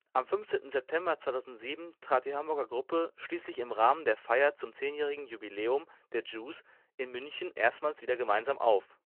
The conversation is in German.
Am 15. September 2007 trat die Hamburger Gruppe schließlich im Rahmen der Feier zum zehnjährigen Jubiläum der Juice in München erstmals wieder gemeinsam auf